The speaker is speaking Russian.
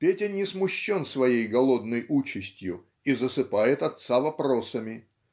Петя не смущен своей голодной участью и засыпает отца вопросами